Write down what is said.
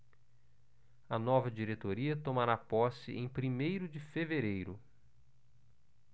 a nova diretoria tomará posse em primeiro de fevereiro